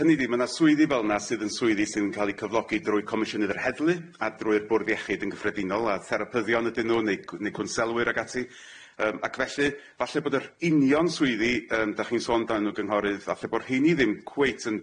hynny ydi ma' na swyddi fel na sydd yn swyddi sy'n ca'l i cyflogi drwy Comisiynydd yr Heddlu a drwy'r Bwrdd Iechyd yn gyffredinol a therapyddion ydyn nw neu cw- neu cwnselwyr ag ati yym ac felly falle bod yr union swyddi yym dach chi'n sôn dan nhw'n gynghorydd alle bo' rhein i ddim cweit yn